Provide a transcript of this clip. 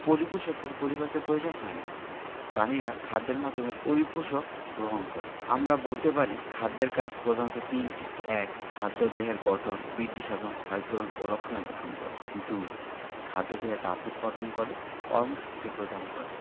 পরিপোষকের পরিপাকের প্রয়োজন হয় না প্রাণীরা খাদ্যের মাধ্যমে পরিপোষক গ্রহণ করে আমরা বলতে পারি খাদ্যের কাজ প্রধানত তিনটি ১ খাদ্য দেহের গঠন বৃদ্ধিসাধন ক্ষয়পূরণ ও রক্ষণাবেক্ষণ করে ২ খাদ্য দেহে তাপ উৎপাদন করে কর্মশক্তি প্রদান করে